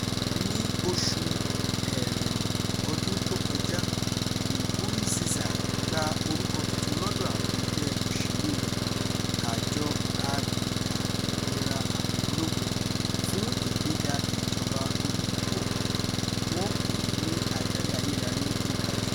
Ní oṣù Ẹrẹ́nà ọdún tó kọjá, Nkurunziza gba orúkọ tuntun lọ́dọ̀ àwọn ẹgbẹ́ òṣèlúu rẹ̀, Àjọ Agbèjà Òmìnira Àwọn Ológun – Fún Ìgbéga Ìjọba Oníbò, wọ́n pè é ní “adarí ayérayé tó ga jù”.